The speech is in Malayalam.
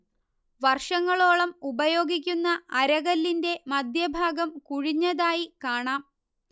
വർഷങ്ങളോളം ഉപയോഗിക്കുന്ന അരകല്ലിന്റെ മധ്യഭാഗം കുഴിഞ്ഞതായി കാണാം